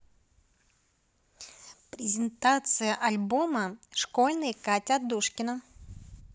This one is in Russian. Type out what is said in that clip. презентация альбома школьный катя адушкина